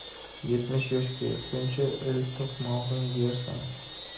yetmish yoshga yetguncha el to'qmog'in yersan